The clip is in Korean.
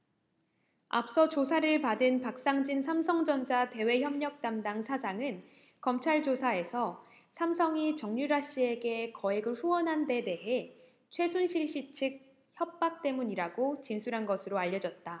앞서 조사를 받은 박상진 삼성전자 대외협력담당 사장은 검찰조사에서 삼성이 정유라씨에게 거액을 후원한 데 대해 최순실씨 측 협박 때문이라고 진술한 것으로 알려졌다